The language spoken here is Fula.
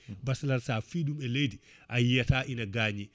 basalal sa fiɗum e leydi a yiyata ine gañi